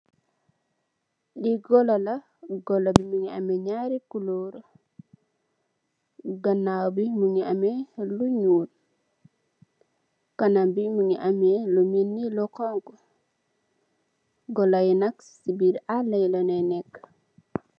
Li golo la, golo bi mungi ameh naari kulóor, ganaaw bi mungi ameh lu ñuul, kanamam bi mungi ameh lu mèlni lo honku. Golo yi nak ci biir ala yi la no nekka.